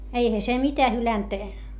eihän se mitä hylännyt